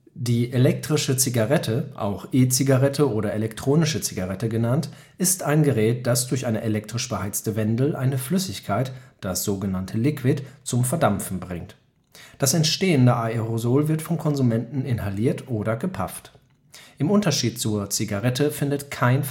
Die elektrische Zigarette, auch E-Zigarette oder elektronische Zigarette genannt, ist ein Gerät, das durch eine elektrisch beheizte Wendel eine Flüssigkeit, das sogenannte Liquid, zum Verdampfen bringt. Das entstehende Aerosol wird vom Konsumenten inhaliert oder gepafft. Im Unterschied zur Zigarette findet kein